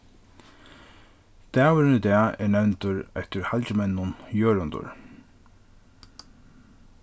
dagurin í dag er nevndur eftir halgimenninum jørundur